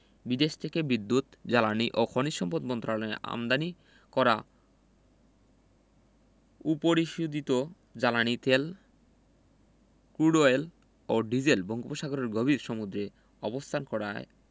বিদেশ থেকে বিদ্যুৎ জ্বালানি ও খনিজ সম্পদ মন্ত্রণালয়ের আমদানি করা অপরিশোধিত জ্বালানি তেল ক্রুড অয়েল ও ডিজেল বঙ্গোপসাগরের গভীর সমুদ্রে অবস্থান করায়